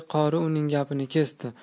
qori uning gapini kesdi